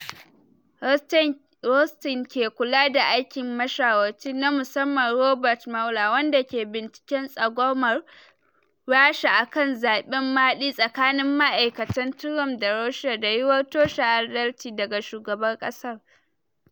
Rosenstein ke kula da aikin mashawarci na musamman Robert Mueler, wanda ke binciken tsangwamar Rasha akan zabe, mahadi tsakanin ma’aikatan Trump da Russia da yiyuwar toshe adalci daga Shugaban kasar.